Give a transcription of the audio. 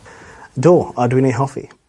Do a dw i'n eu hoffi.